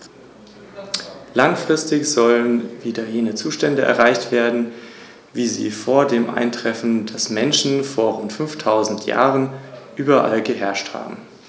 Zudem finden sich viele lateinische Lehnwörter in den germanischen und den slawischen Sprachen.